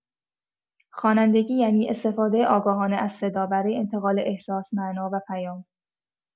خوانندگی یعنی استفاده آگاهانه از صدا برای انتقال احساس، معنا و پیام.